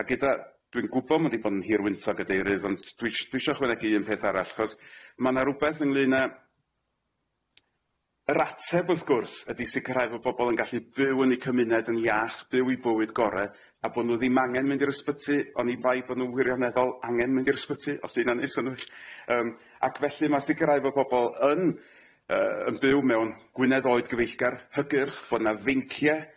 A gyda, dwi'n gwbo ma'n di bod yn hirwyntog y deurydd ond dwi sh- dwi isio ychwanegu un peth arall achos ma' na rwbeth ynglŷn â, yr ateb wrth gwrs ydi sicirhau fod pobol yn gallu byw yn eu cymuned yn iach, byw i bywyd gore a bo' nw ddim angen mynd i'r ysbyty oni bai bo' nw wirioneddol angen mynd i'r 'sbyty os di hynna'n neud synnwll yym ac felly ma' sicirhau fod pobol yn yy yn byw mewn Gwynedd oed gyfeillgar hygyrch bo' na feincie.